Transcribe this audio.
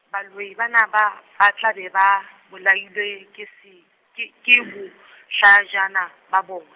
baloi bana ba, batle be ba, bolailwe ke se, ke ke bohlajana, ba bona.